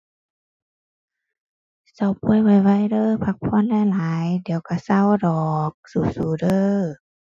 เซาป่วยไวไวเด้อ พักผ่อนหลายหลาย เดี๋ยวก็เซาดอก สู้สู้เด้อ